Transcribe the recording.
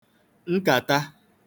nkàta